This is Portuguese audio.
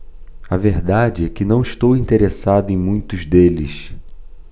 a verdade é que não estou interessado em muitos deles